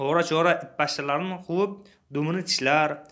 ora chora itpashshalarni quvib dumini tishlar